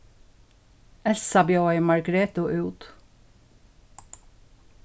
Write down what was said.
elsa bjóðaði margretu út